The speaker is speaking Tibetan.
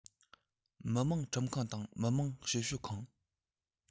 མི དམངས ཁྲིམས ཁང དང མི དམངས ཞིབ དཔྱོད ཁང